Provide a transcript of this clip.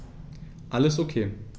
Alles OK.